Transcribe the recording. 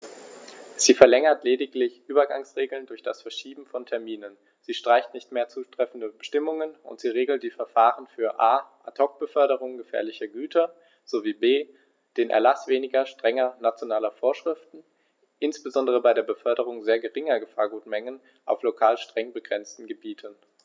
Sie verlängert lediglich Übergangsregeln durch das Verschieben von Terminen, sie streicht nicht mehr zutreffende Bestimmungen, und sie regelt die Verfahren für a) Ad hoc-Beförderungen gefährlicher Güter sowie b) den Erlaß weniger strenger nationaler Vorschriften, insbesondere bei der Beförderung sehr geringer Gefahrgutmengen auf lokal streng begrenzten Gebieten.